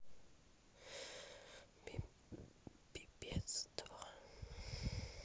пипец два